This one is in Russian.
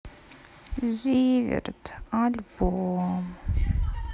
зиверт альбом